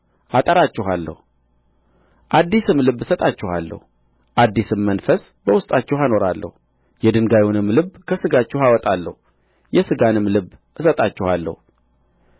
አጠራችኋለሁ አዲስም ልብ እሰጣችኋለሁ አዲስም መንፈስ በውስጣችሁ አኖራለሁ የድንጋዩንም ልብ ከሥጋችሁ አወጣለሁ የሥጋንም ልብ እሰጣችኋለሁ